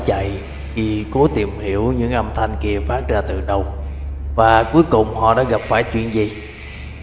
quắn đít lên mà bỏ chạy khi cố tìm hiểu những âm thanh kỳ lạ phát ra từ đâu và cuối cùng họ đã